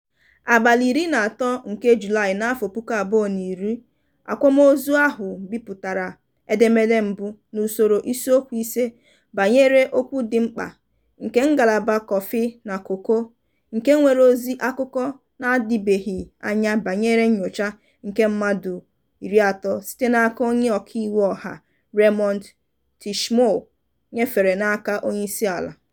Na 13 Julaị 2010 akwụkwọozi ahụ bipụtara edemede mbụ n'usoro isiokwu ise banyere "okwu dị mkpa" nke ngalaba kọfị na koko nke nwere ozi akụkọ n'adịbeghị anya banyere nnyocha nke mmadụ 30 site n'aka onye ọkaiwu ọha Raymond Tchimou nyefere n'aka onyeisiala.